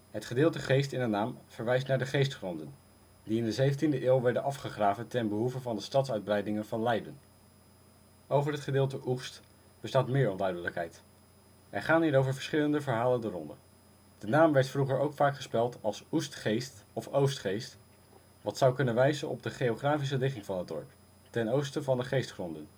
Het gedeelte geest in de naam verwijst naar de geestgronden, die in de zeventiende eeuw werden afgegraven ten behoeve van de stadsuitbreidingen van Leiden. Over het gedeelte Oegst bestaat meer onduidelijkheid. Er gaan hierover verschillende verhalen de ronde. De naam werd vroeger ook vaak gespeld als Oestgeest of Oostgeest, wat zou kunnen wijzen op de geografische ligging van het dorp: ten oosten van de geestgronden